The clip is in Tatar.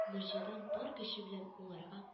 Морҗадан бар көче белән уларга